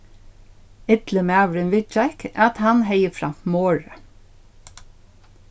illi maðurin viðgekk at hann hevði framt morðið